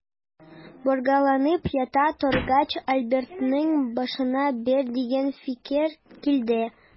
Боргаланып ята торгач, Альбертның башына бер дигән фикер килде.